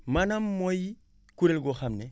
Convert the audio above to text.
maanaam mooy kuréel goo xam ne